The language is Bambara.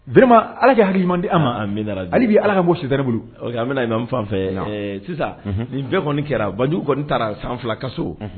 Bima alakɛ halima di ma an bɛ hali b bɛ ala ka bɔ site bolo an bɛna fan fɛ sisan ni bɛɛ kɔni kɛra banjugu kɔni taara san fila kaso